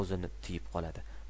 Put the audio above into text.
o'zini tiyib qoladi